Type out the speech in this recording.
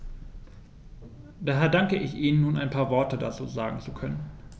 Daher danke ich Ihnen, nun ein paar Worte dazu sagen zu können.